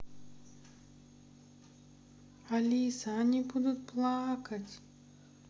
алиса они будут плакать